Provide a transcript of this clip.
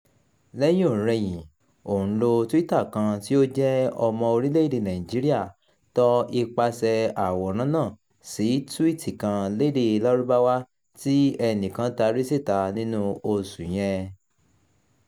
Lẹ́yìn-ò-rẹyìn, òǹlò Twitter kan tí ó jẹ́ ọmọ orílẹ̀-èdèe Nàìjíríà tọ ipasẹ̀ẹ àwòrán náà sí túwíìtì kan lédèe Lárúbáwá tí ẹnìkan tari síta nínú oṣù yẹn.